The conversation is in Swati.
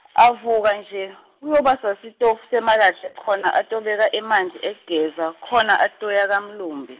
Avuka nje, uyobasa sitof- semalahle khona atobeka emanti ekugeza, khona atoya kamlumbi.